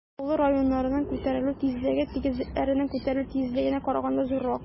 Таулы районнарның күтәрелү тизлеге тигезлекләрнең күтәрелү тизлегенә караганда зуррак.